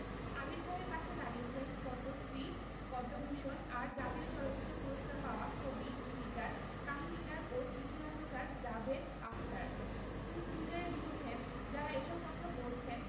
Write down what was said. আমির খানের পাশে দাঁড়িয়েছেন পদ্মশ্রী পদ্মভূষণ আর জাতীয় চলচ্চিত্র পুরস্কার পাওয়া কবি গীতিকার কাহিনিকার ও চিত্রনাট্যকার জাভেদ আখতার তিনি টুইটারে লিখেছেন যাঁরা এসব কথা বলছেন